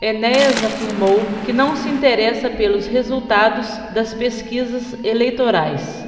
enéas afirmou que não se interessa pelos resultados das pesquisas eleitorais